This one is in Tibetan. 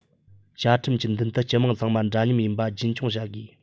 བཅའ ཁྲིམས ཀྱི མདུན དུ སྤྱི དམངས ཚང མ འདྲ མཉམ ཡིན པ རྒྱུན འཁྱོངས བྱ དགོས